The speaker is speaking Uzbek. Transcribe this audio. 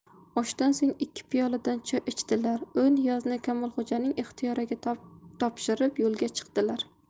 oshdan so'ng ikki piyoladan choy ichdilar u niyozni kamolxo'janing ixtiyoriga topshirib yo'lga chiqdilar